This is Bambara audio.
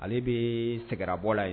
Ale bɛ sɛɛrɛrabɔla ye